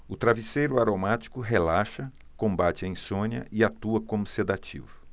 o travesseiro aromático relaxa combate a insônia e atua como sedativo